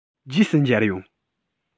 རྗེས སུ མཇལ ཡོང